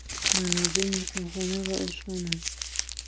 mana bu mehmonxona va oshxona